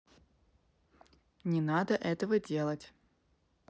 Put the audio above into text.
не надо этого делать